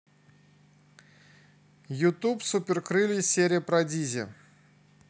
ютуб супер крылья серия про дизи